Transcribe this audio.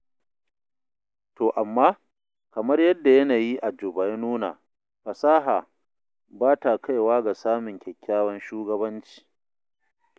To amma, kamar yadda yanayi a Juba ya nuna, fasaha ba ta kaiwa ga samun kyakkyawan shugabanci.